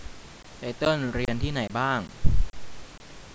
ไตเติ้ลเรียนที่ไหนบ้าง